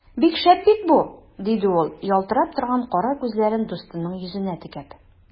Бик шәп бит бу! - диде ул, ялтырап торган кара күзләрен дустының йөзенә текәп.